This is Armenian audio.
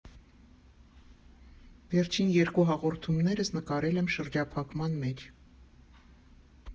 Վերջին երկու հաղորդումներս նկարել եմ շրջափակման մեջ։